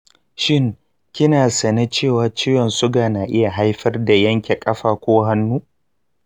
shin kina sane cewa ciwon suga na iya haifar da yanke ƙafa ko hannu?